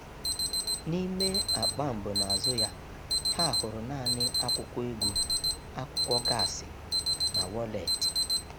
N'ime akpa mbunazụ ya, ha hụrụ naanị akwụkwọ egwu, akwụkwọ gasị, na wọleetị.